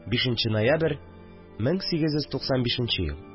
5 нче ноябрь, 1895 ел